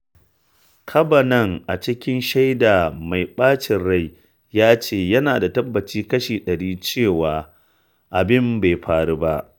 Kavanaugh, a cikin shaida mai ɓacin rai, ya ce yana da tabbaci kashi 100 cewa abin bai faru ba.